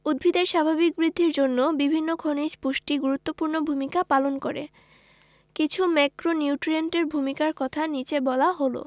উদ্ভিদের স্বাভাবিক বৃদ্ধির জন্য বিভিন্ন খনিজ পুষ্টি গুরুত্বপূর্ণ ভূমিকা পালন করে কিছু ম্যাক্রোনিউট্রিয়েন্টের ভূমিকার কথা নিচে বলা হল